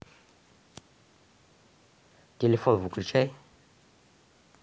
телефон выключай